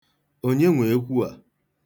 Onye nwe ekwu a?